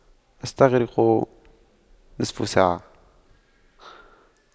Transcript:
استغرق نصف ساعة